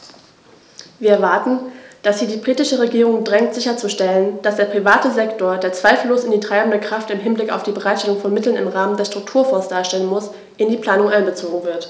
Wir erwarten, dass sie die britische Regierung drängt sicherzustellen, dass der private Sektor, der zweifellos die treibende Kraft im Hinblick auf die Bereitstellung von Mitteln im Rahmen der Strukturfonds darstellen muss, in die Planung einbezogen wird.